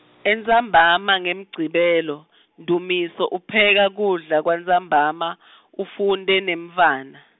Entsambama ngeMgcibelo, Ndumiso upheka kudla kwantsambama, ufunte nemntfwana.